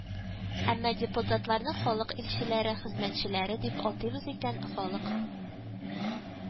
Әмма, депутатларны халык илчеләре, хезмәтчеләре дип атыйбыз икән, халык